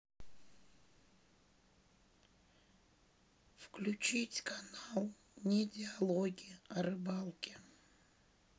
включить канал не диалоги о рыбалке